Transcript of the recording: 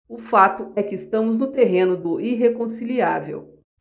o fato é que estamos no terreno do irreconciliável